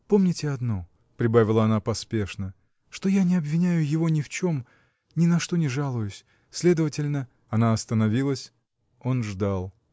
— Помните одно, — прибавила она поспешно, — что я не обвиняю его ни в чем. ни на что не жалуюсь. следовательно. Она остановилась. Он ждал.